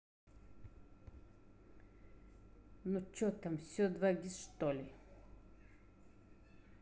ну че там все 2gis что ли